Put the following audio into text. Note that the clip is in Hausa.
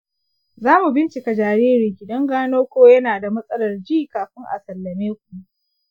za mu bincika jaririnki don gano ko yana da matsalar ji kafin a sallame ku